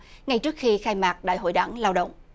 ngày trước khi khai mạc đại hội đảng lao động